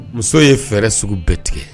Muso ye fɛɛrɛ sugu bɛɛ tigɛ